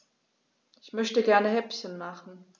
Ich möchte gerne Häppchen machen.